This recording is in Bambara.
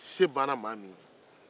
se banna maa min ye